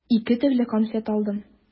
Ике төрле конфет алдым.